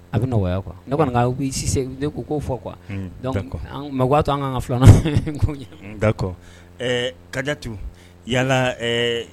A bɛ nɔgɔyaya kuwa ne kɔnise ne ko ko fɔ qu ma'a to an ka ka filan ga kajatu yala